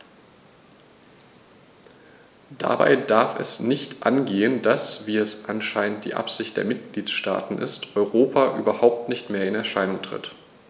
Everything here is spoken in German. Dabei darf es nicht angehen, dass - wie es anscheinend die Absicht der Mitgliedsstaaten ist - Europa überhaupt nicht mehr in Erscheinung tritt.